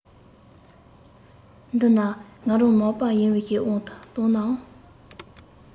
འདི ན ང རང མག པ ཡིན བའི དབང དུ བཏང ནའང